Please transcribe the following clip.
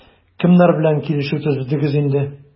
Кемнәр белән килешү төзедегез инде?